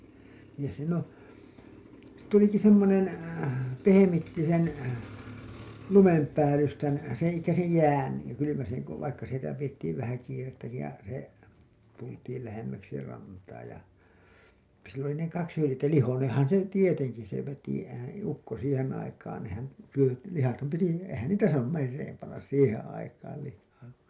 niin siinä on tulikin semmoinen pehmitti sen lumenpäällystän sen eli sen jään ja kylmäsen kun vaikka sitä pidettiin vähän kiirettäkin ja se tultiin lähemmäksi rantaa ja sillä oli ne kaksi hyljettä lihoineenhan se tietenkin se veti eihän ukko siihen aikaan nehän - lihathan piti eihän niitä saanut mereen panna siihen aikaan lihaa